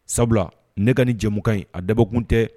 Sabula ne ka nin jɛmukan in a dabɔkun tɛ